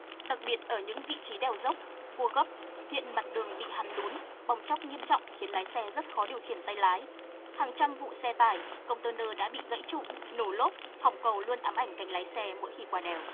đặc biệt ở những vị trí đèo dốc cua gấp hiện mặt đường bị hằn lún bong tróc nghiêm trọng khiến lái xe rất khó điều khiển tay lái hàng trăm vụ xe tải công te nơ đã bị gẫy trục nổ lốp hỏng cầu luôn ám ảnh cánh lái xe mỗi khi qua đèo